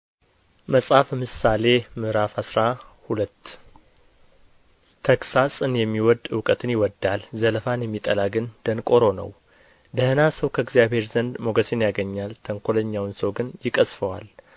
መጽሐፈ ምሳሌ ምዕራፍ አስራ ሁለት ተግሣጽን የሚወድድ እውቀትን ይወድዳል ዘለፋን የሚጠላ ግን ደንቆሮ ነው ደኅና ሰው ከእግዚአብሔር ዘንድ ሞገስን ያገኛል ተንኰለኛውን ሰው ግን ይቀሥፈዋል